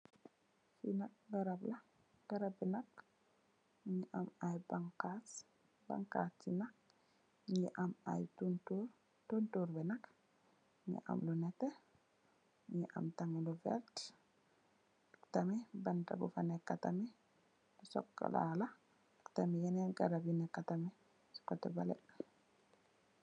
Lii nak garab la, garab bii nak mungy am aiiy banhass, banhass yii nak njungy am aiiy tohntorre, tohntorre bii nak mu am lu nehteh, mungy am tamit lu vert, ak tamit bantah bufa neka tamit, chocolat la ak tamit yenen garab yu neka tamit cii coteh behleh.